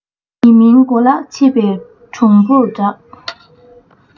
ཡིན མིན མགོ ལྟག ཕྱེད པས གྲུང བོར གྲགས